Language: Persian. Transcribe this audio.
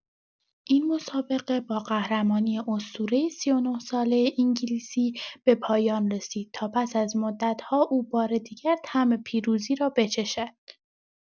این مسابقه با قهرمانی اسطوره ۳۹ ساله انگلیسی به پایان رسید تا پس‌از مدت‌ها او بار دیگر طعم پیروزی را بچشد.